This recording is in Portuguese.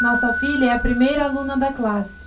nossa filha é a primeira aluna da classe